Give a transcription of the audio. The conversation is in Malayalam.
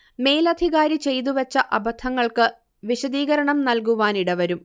മേലധികാരി ചെയ്തു വെച്ച അബദ്ധങ്ങൾക്ക് വിശദീകരണം നൽകുവാനിടവരും